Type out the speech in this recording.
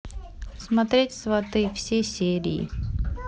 смотреть сваты все серии